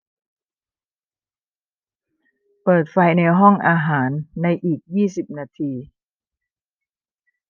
เปิดไฟในห้องอาหารในอีกยี่สิบนาที